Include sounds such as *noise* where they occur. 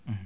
*hesitation* *hesitation*